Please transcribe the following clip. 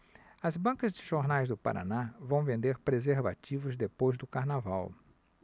as bancas de jornais do paraná vão vender preservativos depois do carnaval